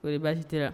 O baasi tɛ